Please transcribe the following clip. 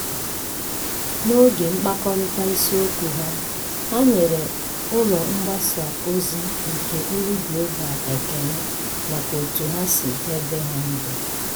N'oge mkpakọrịta isiokwu ha, ha nyere ọrụ mgbasa ozi nke Global Voices ekele maka etu ha si debe ha ndụ.